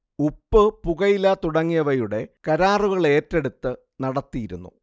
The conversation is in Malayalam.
ഉപ്പ് പുകയില തുടങ്ങിയവയുടെ കരാറുകളേറ്റെടുത്തു നടത്തിയിരുന്നു